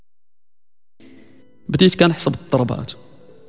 بتسكن حسب الطلبات